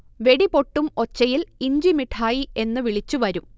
വെടിപൊട്ടും ഒച്ചയിൽ ഇഞ്ചിമിഠായി എന്ന് വിളിച്ച് വരും